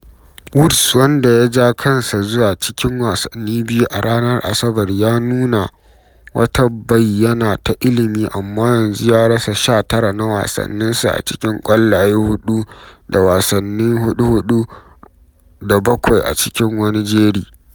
Woods, wanda ya ja kansa zuwa cikin wasanni biyu a ranar Asabar, ya nuna wata bayyana ta ilimi amma yanzu ya rasa 19 na wasanninsa a cikin ƙwallaye huɗu da wasannin huɗu-huɗu da bakwai a cikin wani jeri.